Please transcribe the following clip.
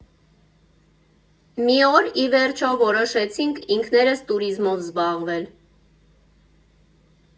Մի օր, ի վերջո, որոշեցինք ինքներս տուրիզմով զբաղվել։